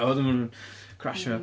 A wedyn maen nhw'n crasio.